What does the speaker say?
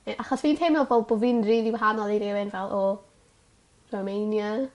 yy achos fi'n teimlo fel bo' fi'n rili wahanol i rywun fel o Romania.